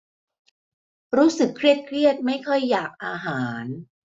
รู้สึกเครียดเครียดไม่ค่อยอยากอาหาร